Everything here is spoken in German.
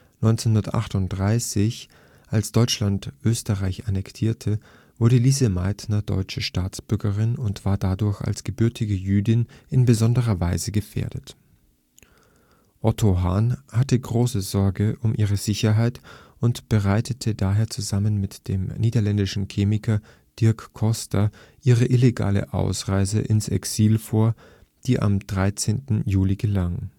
1938, als Deutschland Österreich annektierte, wurde Lise Meitner deutsche Staatsbürgerin und war dadurch als gebürtige Jüdin in besonderer Weise gefährdet. Otto Hahn hatte große Sorge um ihre Sicherheit und bereitete daher zusammen mit dem niederländischen Chemiker Dirk Coster ihre illegale Ausreise ins Exil vor, die am 13. Juli gelang